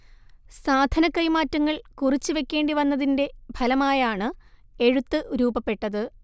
സാധനക്കൈമാറ്റങ്ങൾ കുറിച്ചുവെക്കേണ്ടിവന്നതിൻറെ ഫലമായാണ് എഴുത്ത് രൂപപ്പെട്ടത്